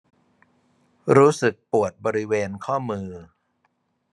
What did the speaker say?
รู้สึกปวดบริเวณข้อมือ